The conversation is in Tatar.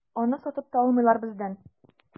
Аны сатып та алмыйлар бездән.